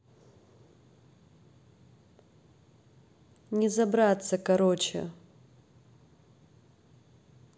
на забраться короче